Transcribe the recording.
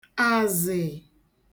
àzị̀